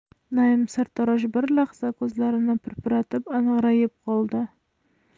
naim sartarosh bir lahza ko'zlarini pirpiratib angrayib qoldi